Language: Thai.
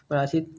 วันอาทิตย์